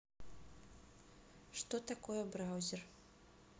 что такое браузер